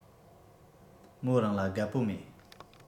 མོ རང ལ དགའ པོ མེད